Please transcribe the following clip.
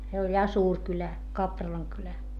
se oli ja suuri kylä Kapralan kylä